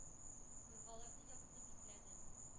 Елгаларны япты, бикләде,